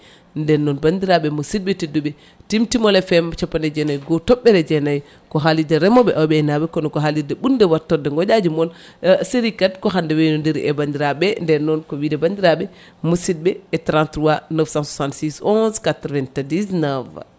nden noon bandirɓe musidɓe tedduɓe Timtimol FM capanɗe jeenayi e goho toɓɓere jeenayyi ko haalirde remoɓe awoɓe e aynaɓe kono ko haalirde ɓurde wattorde e goƴaji moon série 4 ko hande waynodiri e bandiraɓe ndn noon ko wiide bandirɓe musidɓe e 33 966 11 99